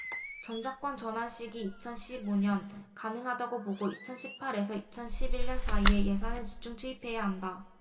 전작권 전환 시기 이천 이십 오 년 가능하다고 보고 이천 십 팔 에서 이천 이십 일 년 사이에 예산을 집중 투입해야 한다